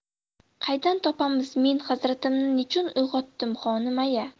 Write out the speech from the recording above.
qaydan topamiz men hazratimni nechun uyg'otdim xonim aya